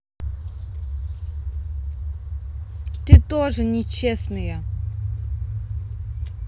ты тоже нечестная